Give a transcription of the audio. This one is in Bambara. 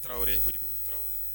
Tarawelew ye tarawele